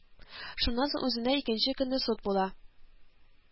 Шуннан соң үзенә икенче көнне суд була